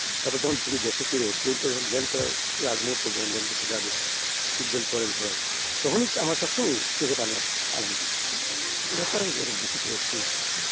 তারপর যখন তুমি দেশে ফেরো প্লেনটা ল্যান্ড করার আগ মুহূর্ত যখন ল্যান্ড করতে যাবে সিট বেল্ট পড়েন সবাই তখনই সবসময়ই আমার চোখে পানি আসে এই ব্যাপারটা আমি অনেক বেশি করে ফিল করছি